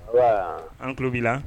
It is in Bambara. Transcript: An tulo b'i